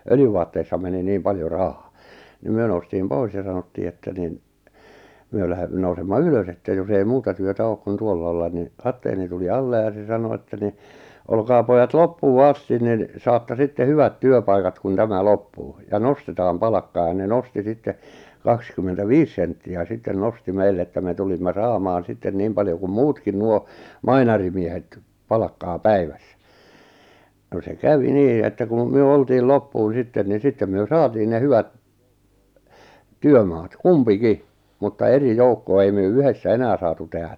öljyvaatteissa meni niin paljon rahaa niin me noustiin pois ja sanottiin että niin me - nousemme ylös että jos ei muuta työtä ole kuin tuolla olla niin kapteeni tuli alle ja se sanoi että niin olkaa pojat loppuun asti niin saatte sitten hyvät työpaikat kun tämä loppuu ja nostetaan palkkaa ja ne nosti sitten kaksikymmentäviisi senttiä sitten nosti meille että me tulimme saamaan sitten niin paljon kuin muutkin nuo mainarimiehet palkkaa päivässä no se kävi niin että kun me oltiin loppuun sitten niin sitten me saatiin ne hyvät työmaat kumpikin mutta eri joukkoa ei me yhdessä enää saatu tehdä